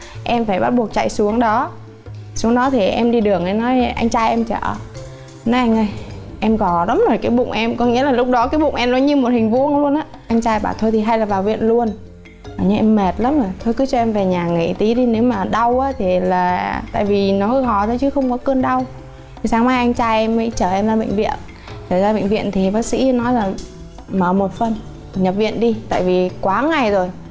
em phải bắt buộc chạy xuống đó xuống đó thì em đi đường em nói anh trai em chở nói anh ơi em gò lắm rồi cái bụng em có nghĩa là lúc đó cái bụng em nó như một hình vuông luôn á anh trai bảo thôi thì hay là vào viện luôn nghe em mệt lắm rồi thôi cứ cho em về nhà nghỉ tí đi nếu mà đau á thì là tại vì nó hơi gò tí thôi chứ không có cơn đau thế sáng mai anh trai em mới mình chở em ra bệnh viện chở ra bệnh viện thì bác sĩ nói rằng mở một phân nhập viện đi tại vì quá ngày rồi